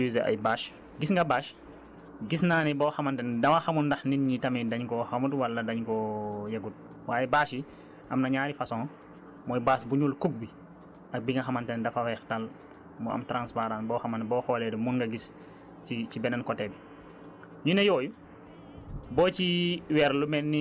waaye am na ci yoo xamante ne tamit dañuy faral di utiliser ay bâches gis nga bâche gis naa ne boo xamante ne dama xamul ndax nit ñi tamit dañ koo xamaul wala dañ koo yëgul waaye bâches yi am na ñaari façons mooy bâche bu ñuul kukk bi ak bi nga xamante ne dafa weex tàll mu am transparent boo xam boo xoolee mun nga gis ci ci beneen côté bi